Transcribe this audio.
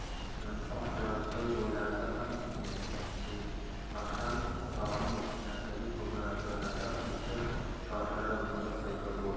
oqburasoy bo'ylarida ham chilmahram tog'ining etaklaridagi ko'kalamzorlarda ham yuzlab chodirlar va o'tovlar paydo bo'ldi